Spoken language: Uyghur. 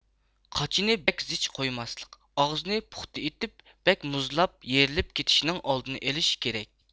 قاچىنى بەك زىچ قويماسلىق ئاغزىنى پۇختا ئېتىپ بەك مۇزلاپ يېرىلىپ كېتىشنىڭ ئالدىنى ئېلىش كېرەك